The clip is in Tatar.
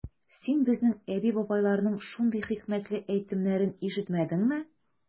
Син безнең әби-бабайларның шундый хикмәтле әйтемнәрен ишетмәдеңме?